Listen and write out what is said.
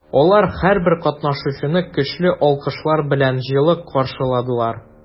Алар һәрбер катнашучыны көчле алкышлар белән җылы каршыладылар.